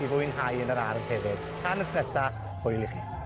i fwynhau yn yr ardd hefyd. Tan y tro nesa, hwyl i chi.